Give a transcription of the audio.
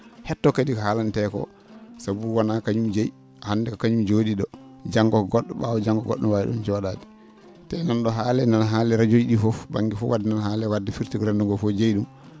hettoo kadi ko haalantee koo sabu wonaa kañum jeyi hannde ko kañum joo?ii ?oo janngo ko go??o ?aawo janngo go??o no waawi ?oon joo?aade te nan?oo haalee nana haalee e radio ji ?i fof ba?nge fof wadde nana haalee wadde firti ko renndo ngoo fof jeyi ?um